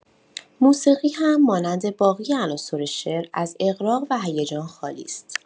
موسیقی هم مانند باقی عناصر شعر، از اغراق و هیجان خالی است.